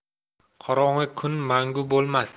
qorong'u kun mangu bo'lmas